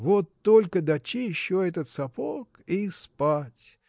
Вот только дочищу этот сапог – и спать.